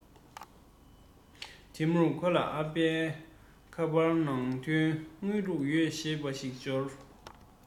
དེ མྱུར ཁོ ལ ཨ ཕའི ཁ པར ནང དོན དངུལ བླུག ཡོད ཞེས པ ཞིག འབྱོར